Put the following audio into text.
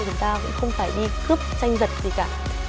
thực ra cũng không phải đi cướp tranh giật gì cả